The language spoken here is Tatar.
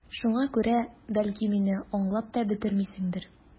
Шуңа күрә, бәлки, мине аңлап та бетермисеңдер...